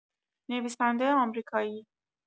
نویسنده آمریکایی